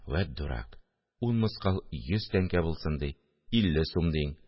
– вәт дурак, ун мыскал йөз тәңкә булсын ди! илле сум диң